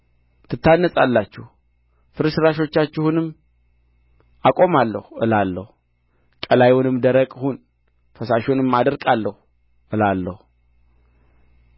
ትታነጻላችሁ ፍራሾቻችሁንም አቆማለሁ እላለሁ ቀላዩንም ደረቅ ሁን ፈሳሾችህንም አደርቃለሁ እላለሁ